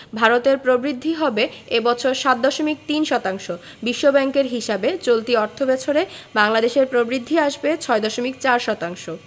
ভারতের প্রবৃদ্ধি হবে এ বছর ৭.৩ শতাংশ বিশ্বব্যাংকের হিসাবে চলতি অর্থবছরে বাংলাদেশের প্রবৃদ্ধি আসবে ৬.৪ শতাংশ